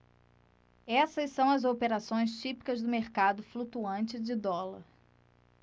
essas são as operações típicas do mercado flutuante de dólar